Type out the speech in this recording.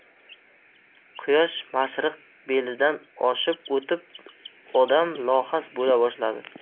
quyosh mashriq belidan oshib o'tib odam lohas bo'la boshladi